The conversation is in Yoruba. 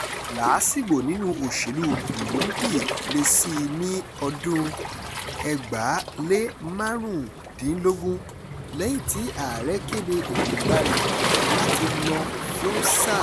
...Làásìgbò nínú òṣèlú Burundi le sí i ní ọdún 2015 lẹ́yìn tí ààrẹ́ kéde èròńgbàa rẹ̀ láti lọ fún sáà kẹ́ta.